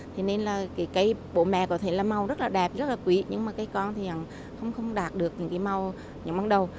thế nên là cái cây bố mẹ có thể là màu rất đẹp rất là quý nhưng mà cây con thì không không đạt được những ý màu như ban đầu